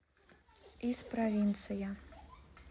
из провинция